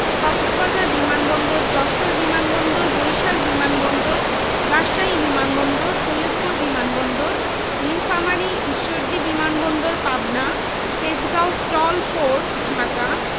অন্যান্য বৃহৎ সড়ক সেতু হচ্ছে মুন্সিগঞ্জ জেলার গজারিয়া উপজেলায় মেঘনা নদীর উপর জাপান বাংলাদেশ মৈত্রী সেতু কুমিল্লার দাউদকান্দি উপজেলায় মেঘনা নদীর উপর মেঘনা গোমতী সেতু